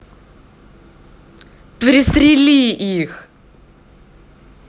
пристрели их